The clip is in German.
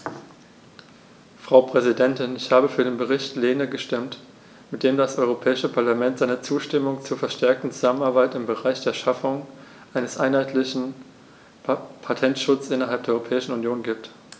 Frau Präsidentin, ich habe für den Bericht Lehne gestimmt, mit dem das Europäische Parlament seine Zustimmung zur verstärkten Zusammenarbeit im Bereich der Schaffung eines einheitlichen Patentschutzes innerhalb der Europäischen Union gibt.